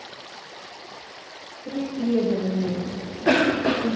преследование